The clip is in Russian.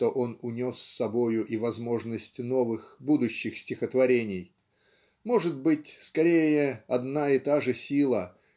что он унес с собою и возможность новых будущих стихотворений может быть скорее одна и та же сила